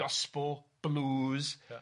gosbo, blues